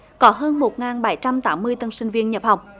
có hơn một ngàn bảy trăm tám mươi tân sinh viên nhập học